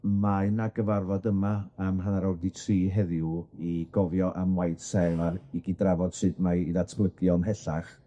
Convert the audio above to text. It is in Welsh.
mae 'na gyfarfod yma am hanner awr 'di tri heddiw i gofio am waith Sel i gyd-drafod sut mae 'i ddatblygu o ymhellach.